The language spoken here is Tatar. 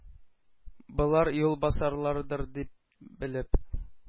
Болар юлбасарлардыр дип белеп,